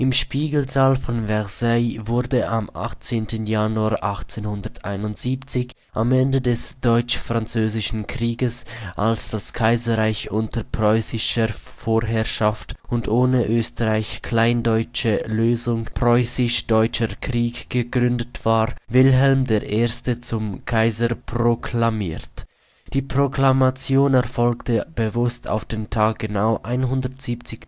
Spiegelsaal von Versailles wurde am 18. Januar 1871 (am Ende des Deutsch-Französischen-Krieges), als das Kaiserreich unter preußischer Vorherrschaft und ohne Österreich (kleindeutsche Lösung; preußisch-deutscher Krieg) gegründet war, Wilhelm I. zum Kaiser proklamiert. Die Proklamation erfolgte bewusst auf den Tag genau 170